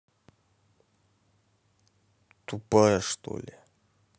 тупая что ли